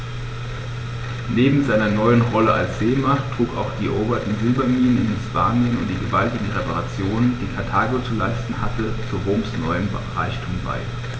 Neben seiner neuen Rolle als Seemacht trugen auch die eroberten Silberminen in Hispanien und die gewaltigen Reparationen, die Karthago zu leisten hatte, zu Roms neuem Reichtum bei.